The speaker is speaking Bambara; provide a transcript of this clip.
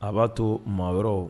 A b'a to maa wɛrɛw